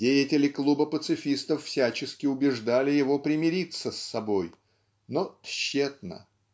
Деятели клуба пацифистов всячески убеждали его примириться с собой, но тщетно.